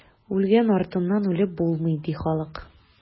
Үлгән артыннан үлеп булмый, ди халык.